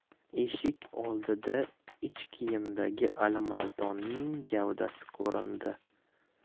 eshik oldida ich kiyimdagi alimardonning gavdasi ko'rindi